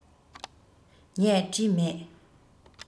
ངས བྲིས མེད